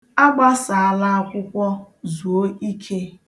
Agbasaala akwụkwọ, zuo ike.